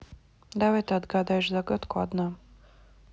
давай ты отгадаешь загадку одну